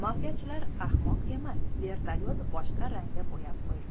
mafiyachilar ahmoq emas vertolyot boshqa rangga bo'yab qo'yiladi